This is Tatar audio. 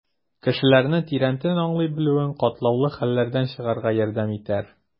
Кешеләрне тирәнтен аңлый белүең катлаулы хәлләрдән чыгарга ярдәм итәр.